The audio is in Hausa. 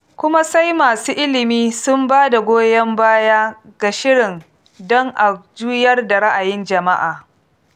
Kuma sai masu ilimi sun ba da goyon baya ga shirin don a juyar da ra'ayin jama'a.